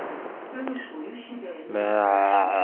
включи песню незаконченный роман